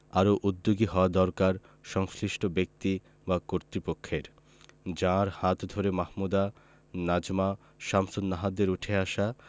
আরও উদ্যোগী হওয়া দরকার সংশ্লিষ্ট ব্যক্তি বা কর্তৃপক্ষের যাঁর হাত ধরে মাহমুদা নাজমা শামসুন্নাহারদের উঠে আসা